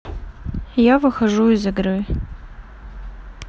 я выхожу из игры